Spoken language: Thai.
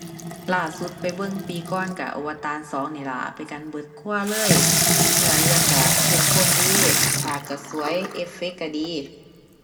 ล่าสุดไปเบิ่งปีก่อนก็ Avatar สองนี่ล่ะไปกันเบิดครัวเลยเนื้อเรื่องก็เข้มข้นดี ฉากก็สวย เอฟเฟกต์ก็ดี